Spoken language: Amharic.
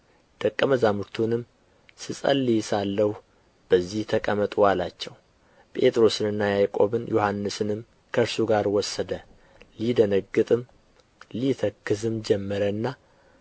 ደቀ መዛሙርቱንም ስጸልይ ሳለሁ በዚህ ተቀመጡ አላቸው ጴጥሮስንና ያዕቆብን ዮሐንስንም ከእርሱ ጋር ወሰደ ሊደነግጥም ሊተክዝም ጀመረና